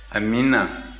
amiina